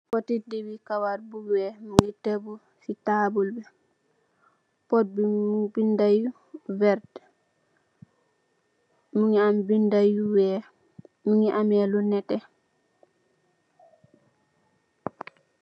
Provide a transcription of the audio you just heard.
Pot ti deew kawar bu weex mungi teguh tabul bi pot bi mungi am bindah yu werta mungi am bindah yu weex mungi am lu neteh